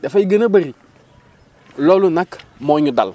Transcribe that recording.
dafay gën a bëri loolu nag moo ñu dal